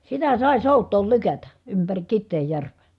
sitä sai soutaa lykätä ympäri Kiteenjärveä